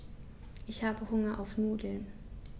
Ich habe Hunger auf Nudeln.